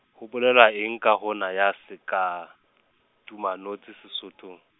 ho bolelwa eng ka hona ya sekatumanotshi Sesothong?